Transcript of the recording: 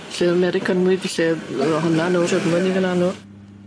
'Lle y Americanwyr felly yy hwnna nowr shwd moyn 'ny fel 'na n'w.